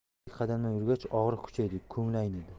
ellik qadamlar yurgach og'riq kuchaydi ko'ngli aynidi